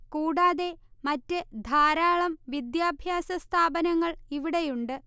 കൂടാതെ മറ്റ് ധാരാളം വിദ്യാഭ്യാസ സ്ഥാപനങ്ങൾ ഇവിടെയുണ്ട്